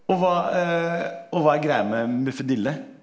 og hva og hva er greia med Moffedille?